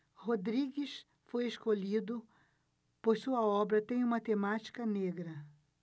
rodrigues foi escolhido pois sua obra tem uma temática negra